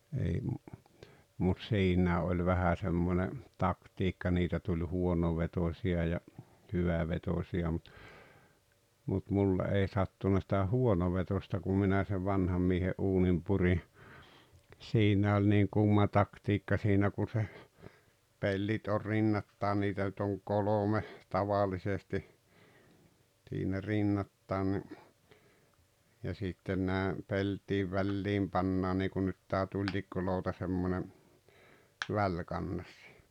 ei - mutta siinä oli vähän semmoinen taktiikka niitä tuli huonovetoisia ja hyvävetoisia mutta mutta minulle ei sattunut sitä huonovetoista kun minä sen vanhan miehen uunin purin siinä oli niin kumma taktiikka siinä kun se pellit on rinnakkain niitä nyt on kolme tavallisesti siinä rinnakkain niin ja sitten näin peltien väliin pannaan niin kuin nyt tämä tulitikkulauta semmoinen välikannas